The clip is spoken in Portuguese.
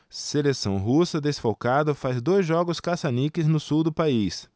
seleção russa desfalcada faz dois jogos caça-níqueis no sul do país